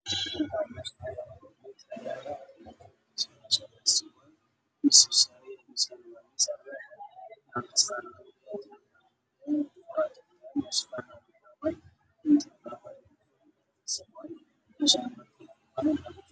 Halkaan waxaa ka muuqdo miis gaduud ah oo saaran computer madaw ah waxaana yaalo meesha kursi madaw ah